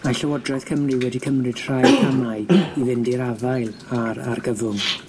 Mae Llywodraeth Cymru wedi cymryd rhai camau i fynd i'r afael â'r argyfwng.